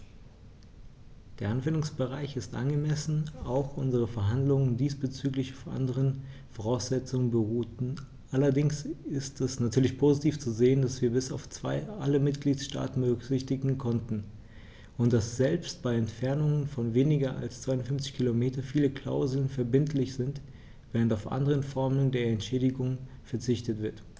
Der Anwendungsbereich ist angemessen, auch wenn unsere Verhandlungen diesbezüglich auf anderen Voraussetzungen beruhten, allerdings ist es natürlich positiv zu sehen, dass wir bis auf zwei alle Mitgliedstaaten berücksichtigen konnten, und dass selbst bei Entfernungen von weniger als 250 km viele Klauseln verbindlich sind, während auf andere Formen der Entschädigung verzichtet wird.